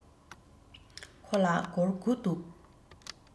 ཁོ ལ སྒོར དགུ འདུག